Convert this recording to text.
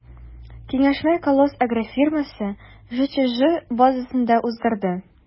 Киңәшмә “Колос” агрофирмасы” ҖЧҖ базасында узды.